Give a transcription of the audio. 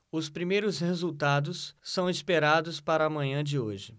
os primeiros resultados são esperados para a manhã de hoje